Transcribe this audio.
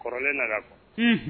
Kɔrɔlen nana. Unhun